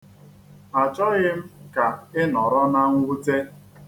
Achọghị m ka ị nọrọ na nnwute.